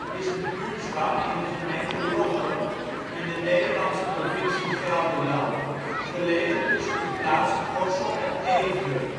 is een buurtschap in de gemeente Lochem (Nederlandse provincie Gelderland), gelegen tussen de plaatsen Gorssel en Eefde